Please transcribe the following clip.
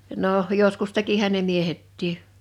no joskus tekihän ne miehetkin